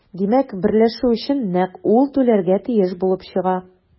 Димәк, берләшү өчен нәкъ ул түләргә тиеш булып чыга.